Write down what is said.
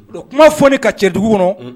O don kuma fɔoni ka cɛ dugu kɔnɔ